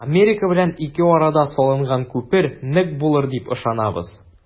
Америка белән ике арада салынган күпер нык булыр дип ышанабыз.